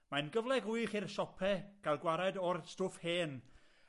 Mae'n gyfle gwych i'r siope ga'l gwared o'r stwff hen